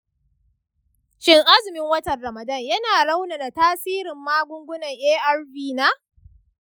shin azumin watan ramadan yana raunana tasirin magungunan arv na?